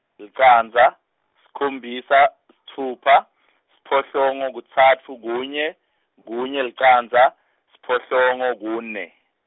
licandza, sikhombisa, sitfupha, siphohlongo kutsatfu kunye, kunye licandza, siphohlongo, kune.